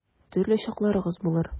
Төрле чакларыгыз булыр.